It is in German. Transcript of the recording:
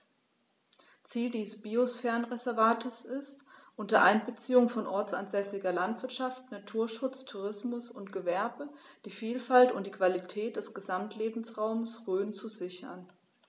Ziel dieses Biosphärenreservates ist, unter Einbeziehung von ortsansässiger Landwirtschaft, Naturschutz, Tourismus und Gewerbe die Vielfalt und die Qualität des Gesamtlebensraumes Rhön zu sichern.